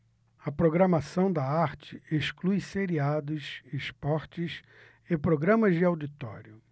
a programação da arte exclui seriados esportes e programas de auditório